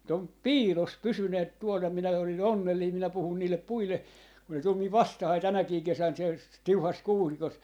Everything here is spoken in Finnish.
mutta on piilossa pysyneet tuolla ja minä olin onnellinen minä puhun niille puille kun ne tuli minun vastaani tänäkin kesänä siellä tiuhassa kuusikossa